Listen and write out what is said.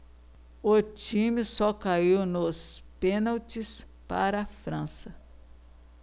o time só caiu nos pênaltis para a frança